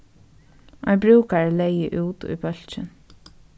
ein brúkari legði út í bólkin